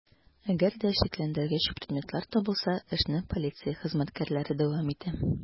Әгәр дә шикләндергеч предметлар табылса, эшне полиция хезмәткәрләре дәвам итә.